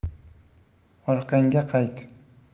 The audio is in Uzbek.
orqangga qayt